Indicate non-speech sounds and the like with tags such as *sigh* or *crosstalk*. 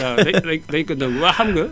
waaw *laughs* lépp rekk nañu ko nangu